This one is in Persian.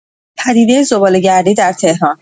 پدیده زباله‌گردی در تهران